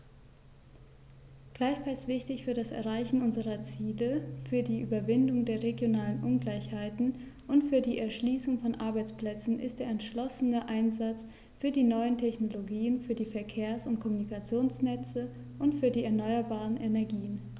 Gleichfalls wichtig für das Erreichen unserer Ziele, für die Überwindung der regionalen Ungleichheiten und für die Erschließung von Arbeitsplätzen ist der entschlossene Einsatz für die neuen Technologien, für die Verkehrs- und Kommunikationsnetze und für die erneuerbaren Energien.